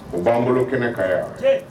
U b'an bolo kɛnɛ ka yan